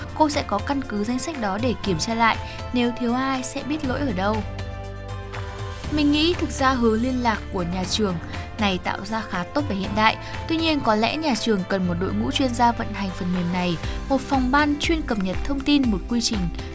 cô sẽ có căn cứ danh sách đó để kiểm tra lại nếu thiếu ai sẽ biết lỗi ở đâu mình nghĩ thực ra hứa liên lạc của nhà trường này tạo ra khá tốt và hiện đại tuy nhiên có lẽ nhà trường cần một đội ngũ chuyên gia vận hành phần mềm này một phòng ban chuyên cập nhật thông tin một quy trình